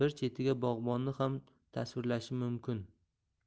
bir chetiga bog'bonni ham tasvirlashim mumkin